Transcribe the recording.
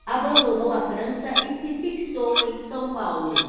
abandonou a frança e se fixou em são paulo